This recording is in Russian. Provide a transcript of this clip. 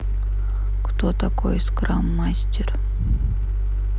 кто такой скрам мастер